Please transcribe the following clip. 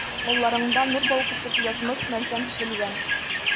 Алларыңда, нур балкытып, язмыш-мәрҗән тезелгән.